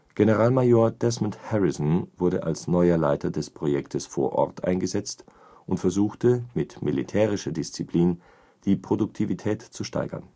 Generalmajor Desmond Harrison wurde als neuer Leiter des Projektes vor Ort eingesetzt und versuchte, mit militärischer Disziplin die Produktivität zu steigern